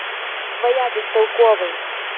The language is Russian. твоя бестолковый